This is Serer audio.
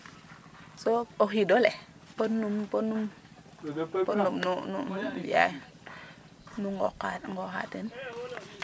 So o xiid ole podnum podnum podnum nu mbiyayo nu nqooxa ten?